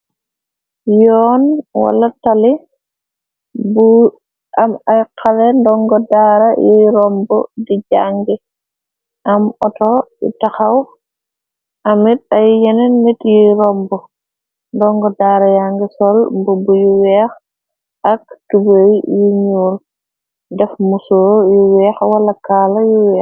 Yoon wala tali bu am ay xale ndongo daara yuy rombu di jangi, am otto yu taxaw, amid ay yenen not yuy roomba, ndongo daara yangi sol mbubu yu weex ak tubey yu ñuul def musoo yu weex wala kaala yu weex.